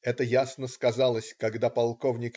Это ясно сказалось, когда полк.